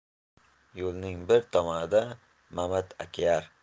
yo'lning bir tomonida na'matakiar